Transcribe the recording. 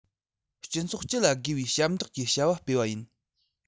སྤྱི ཚོགས སྤྱི ལ དགེ བའི ཞབས འདེགས ཀྱི བྱ བ སྤེལ བ ཡིན